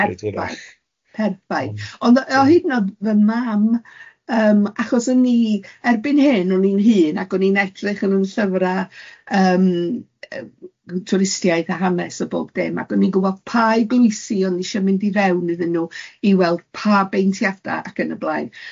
Ie, perffaith, perffaith. Ond o hyd yn oed fy mam yym achos o'n i erbyn hyn o'n i'n hŷn ac o'n i'n edrych yn y llyfra yym yy twristiaeth a hanes a bob dim ac o'n i'n gwybod pa eglwysi o'n i isio mynd i fewn iddyn nhw i weld pa beintiadau ac yn y blaen.